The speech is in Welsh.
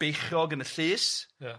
beichiog yn y llys... Ia.